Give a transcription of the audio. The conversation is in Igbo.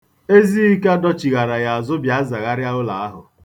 Ezika dọchighara ya azụ bịa zagharịa ụlọ ahụ.